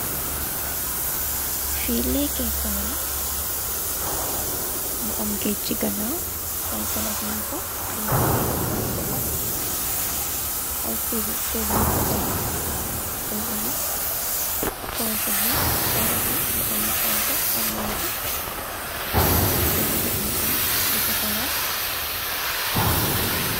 Fi lekkekaay la mu am geeg ci gannaaw ay garap nyung fa ay togu nyung fa tegu, togu bi eponge bu bulo mu am lu xonxo ak lu nete, togu bi mu am lu sokola.